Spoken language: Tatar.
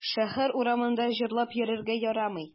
Шәһәр урамында җырлап йөрергә ярамый.